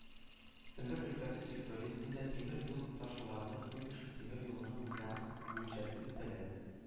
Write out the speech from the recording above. Сембер өлкәсе территориясендә тимер юл ташуларны Куйбышев тимер юлының Ульяновск бүлекчәсе үтәлә